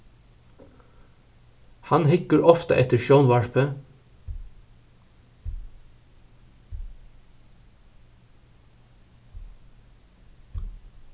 hann hyggur ofta eftir sjónvarpi